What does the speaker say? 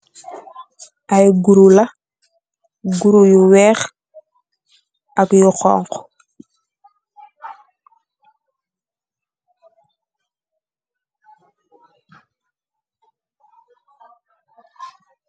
ayyi guruu yuu weeh ak bu hougku.